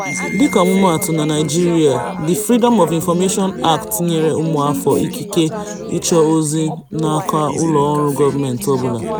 Dịka ọmụmaatụ, na Naịjirịa, The Freedom of Information Act nyere ụmụafọ ikike ịchọ ozi n'aka ụlọọrụ gọọmentị ọbụla.